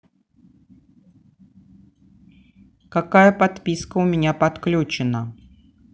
какая подписка у меня подключена